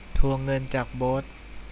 ทวงเงินจากโบ๊ท